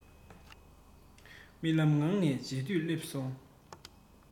རྨི ལམ ངང ནས མཇལ དུས སླེབས སོང